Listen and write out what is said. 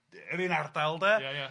yr un ardal 'de... Ia ia...